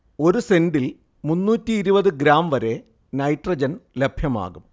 ഒരു സെന്റിൽ മുന്നൂറ്റിഇരുപതു ഗ്രാം വരെ നൈട്രജൻ ലഭ്യമാകും